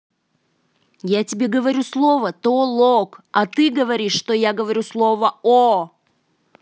я тебе говорю слово толок а ты говоришь что я говорю слово о